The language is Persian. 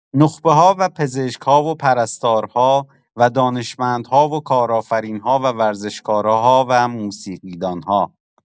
نخبه‌ها و پزشک‌ها و پرستارها و دانشمندها و کارآفرین‌ها و ورزشکارها و موسیقی دان‌ها